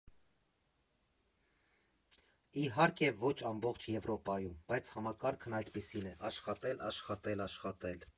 Իհարկե, ոչ ամբողջ Եվրոպայում, բայց համակարգն այդպիսին է՝ աշխատել, աշխատել, աշխատել։